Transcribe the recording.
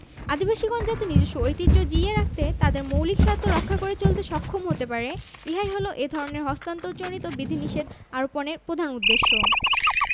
আদিবাসীগণ যাতে নিজস্ব ঐতিহ্য জিইয়ে রেখে তাদের মৌলিক স্বার্থ রক্ষা করে চলতে সক্ষম হতে পারে ইহাই হল এ ধরনের হস্তান্তরজনিত বিধিনিষেধ আরোপনের প্রধান উদ্দেশ্য